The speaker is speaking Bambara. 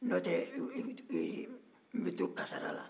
n'otɛ n bɛ to kasara la